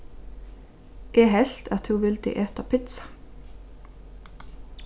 eg helt at tú vildi eta pitsa